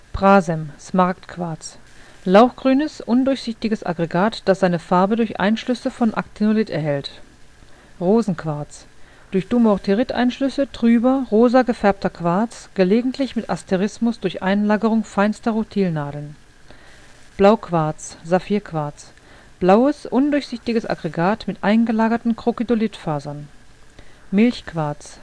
Prasem (Smaragdquarz): lauchgrünes, undurchsichtiges Aggregat, das seine Farbe durch Einschlüsse von Aktinolith erhält Rosenquarz: durch Dumortieriteinschlüsse trüber, rosa gefärbter Quarz, gelegentlich mit Asterismus durch Einlagerung feinster Rutilnadeln Blauquarz (Saphirquarz): blaues, undurchsichtiges Aggregat mit eingelagerten Krokydolith-Fasern Milchquarz